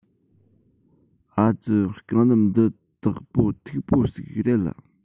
ཨ ཙི རྐང སྣམ འདི དག པོ འཐུག པོ ཟིག རེད ལ